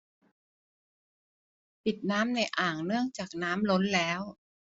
ปิดน้ำในอ่างเนื่องจากน้ำล้นแล้ว